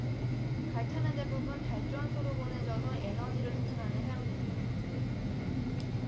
갈탄은 대부분 발전소로 보내져서 에너지를 생산하는 데 사용됩니다